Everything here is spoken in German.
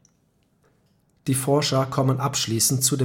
Die Forscher kommen abschließend zu